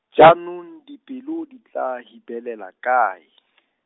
jaanong dipelo di tla hibilela kae ?